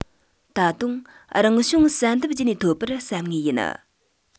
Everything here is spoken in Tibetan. ད དུང རང བྱུང བསལ འདེམས བརྒྱུད ནས ཐོབ པར བསམས ངེས ཡིན